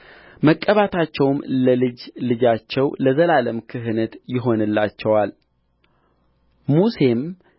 መቀባታቸውም ለልጅ ልጃቸው ለዘላለም ክህነት ይሆንላቸዋል ሙሴም